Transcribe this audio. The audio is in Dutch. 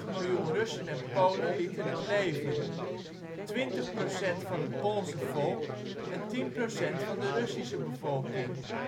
miljoen Russen en Polen lieten het leven: 20 procent van het Poolse volk en 10 procent van de Russische bevolking